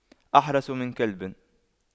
أحرس من كلب